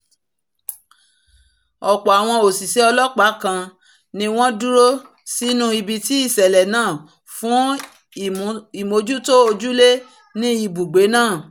ọ̀ṕọ̀́ àwọn òṣìṣe ọlọ́ọ̀pá ̣́ kan ni wọ́n dúró sínú ibití ìṣẹlẹ naa fun ìmójútó ojúle ní ìbùgbé náà.